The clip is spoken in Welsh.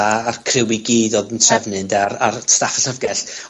a a'r criw i gyd odd yn trefnu ynde? A'r a'r staff y llyfgell.